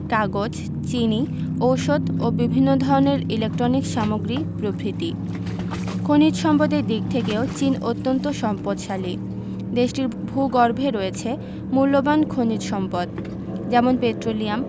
কাগজ চিনি ঔষধ ও বিভিন্ন ধরনের ইলেকট্রনিক্স সামগ্রী প্রভ্রিতি খনিজ সম্পদের দিক থেকেও চীন অত্যান্ত সম্পদশালী দেশটির ভূগর্ভে রয়েছে মুল্যবান খনিজ সম্পদ যেমন পেট্রোলিয়াম